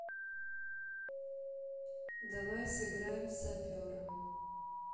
давай сыграем в сапера